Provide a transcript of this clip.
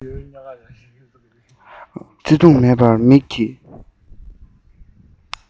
བརྩེ དུང མེད པར མིག གིས